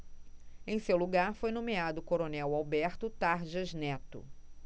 em seu lugar foi nomeado o coronel alberto tarjas neto